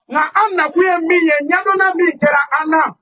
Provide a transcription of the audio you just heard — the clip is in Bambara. A an na min ye ɲamina bi kɛra a la